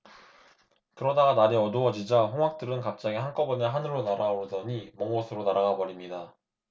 그러다가 날이 어두워지자 홍학들은 갑자기 한꺼번에 하늘로 날아오르더니 먼 곳으로 날아가 버립니다